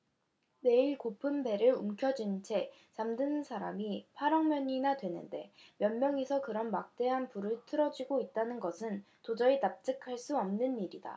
매일 고픈 배를 움켜쥔 채 잠드는 사람이 팔 억 명이나 되는데 몇 명이서 그런 막대한 부를 틀어쥐고 있다는 것은 도저히 납득할 수 없는 일이다